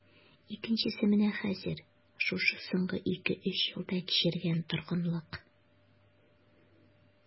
Икенчесе менә хәзер, шушы соңгы ике-өч елда кичергән торгынлык...